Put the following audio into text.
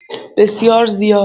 بسیار زیاد